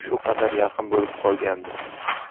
shu qadar yaqin bo'lib qolgandi